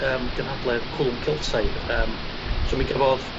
yym gynhadledd cwlwm Celtaidd yym so mi gafodd...